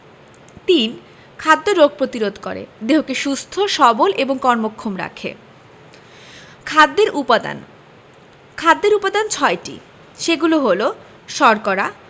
৩. খাদ্য রোগ প্রতিরোধ করে দেহকে সুস্থ সবল এবং কর্মক্ষম রাখে খাদ্যের উপাদান খাদ্যের উপাদান ছয়টি সেগুলো হলো শর্করা